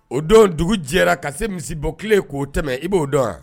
O don dugu jɛra ka se misi bɔ kelen k'o tɛmɛ i b'o dɔn wa